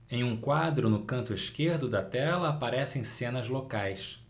em um quadro no canto esquerdo da tela aparecem cenas locais